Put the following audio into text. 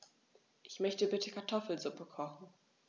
Ich möchte bitte Kartoffelsuppe kochen.